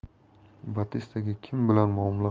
batistaga kim bilan muomala